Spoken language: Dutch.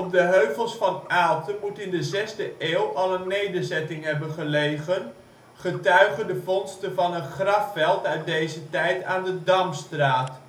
de heuvels van Aalten moet in de 6e eeuw al een nederzetting hebben gelegen, getuige de vondsten van een grafveld uit deze tijd aan de Damstraat